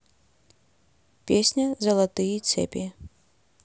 песня золотые цепи